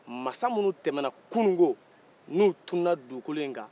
masa minnu tɛmɛna kunuko n'u tununa dugukolo in kan